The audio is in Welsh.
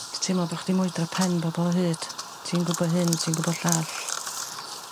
Ti teimlo bo' chdi mwydro pen bobol o hyd ti'n gwbo hyn ti'n gwbo llall.